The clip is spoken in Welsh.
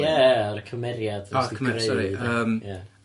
Ie ie yr cymeriad nest di creu. O cymeriad sori yym